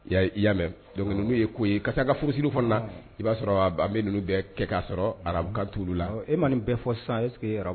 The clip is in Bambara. I'a mɛn don ye' ye ka ka furuurusiriuru f i b'a sɔrɔ bɛ ninnu bɛ kɛ k'a sɔrɔ arabu tu la e man nin bɛɛ fɔ san eseke yɔrɔ